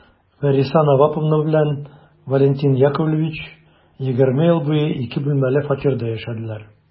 Вәриса Наваповна белән Валентин Яковлевич егерме ел буе ике бүлмәле фатирда яшәделәр.